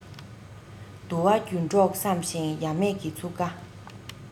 དུ བ རྒྱུན གྲོགས བསམ ཞིང ཡ མེད ཀྱི ཚུགས ཀ